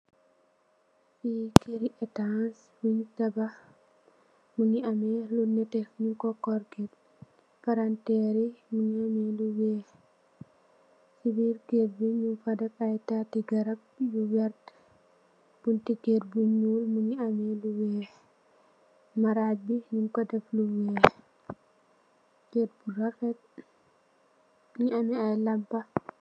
Fi kërri etans bun tabah, mungi ameh lu nètè nung ko corket. Palanteer yi mungi ameh lu weeh ci biir kër bi nung fa taati garab yu vert. Bunti kër bu ñuul mungi ameh lu weeh. Maraj bi nung ko deff lu weeh. Kër bu rafet mungi ameh ay lampa.